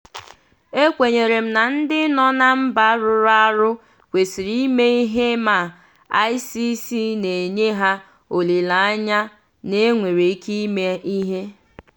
E kwenyere m na ndị nọ na mba rụrụ arụ kwesịrị ime ihe ma ICC na-enye ha olileanya na e nwere ike ime ihe.